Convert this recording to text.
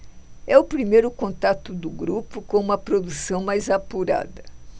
é o primeiro contato do grupo com uma produção mais apurada